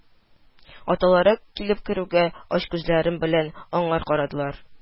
Аталары килеп керүгә ач күзләре белән аңар карадылар